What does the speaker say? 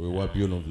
O ye waay nɔ